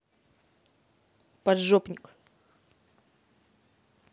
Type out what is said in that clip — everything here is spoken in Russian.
поджопник